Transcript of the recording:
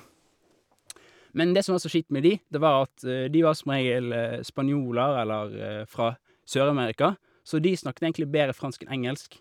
Men det som var så kjipt med de, det var at de var som regel spanjoler eller fra Sør-Amerika, så de snakket egentlig bedre fransk enn engelsk.